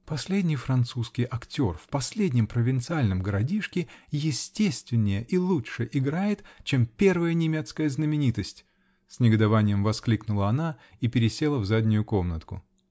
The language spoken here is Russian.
-- Последний французский актер в последнем провинциальном городишке естественнее и лучше играет, чем первая немецкая знаменитость, -- с негодованием воскликнула она и пересела в заднюю комнатку.